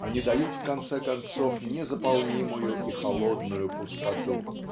они дают в конце концов незаполнимую и холодную пустоту.